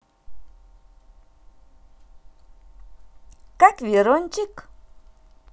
как верончик